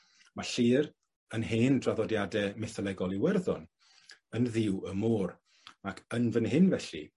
Ma' Llŷr yn hen draddodiade mytholegol Iwerddon yn dduw y môr, ac yn fan hyn felly